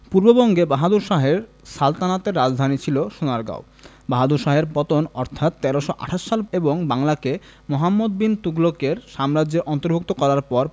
পূর্ববঙ্গে বাহাদুর শাহের সালতানাতের রাজধানী ছিল সোনারগাঁও বাহাদুর শাহের পতন অর্থাৎ ১৩২৮ সাল এবং বাংলাকে মুহাম্মদ বিন তুগলকের সাম্রাজ্যের অর্ন্তভুক্ত করার পর